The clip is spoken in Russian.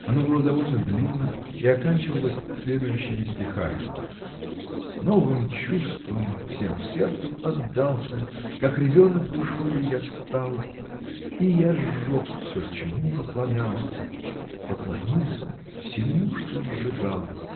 оно было довольно длинно и оканчивалось следующими стихами: Новым чувствам всем сердцем отдался, Как ребенок душою я стал: И я сжег все, чему поклонялся, Поклонился всему, что сжигал.